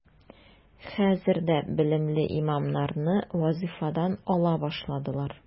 Хәзер дә белемле имамнарны вазифадан ала башладылар.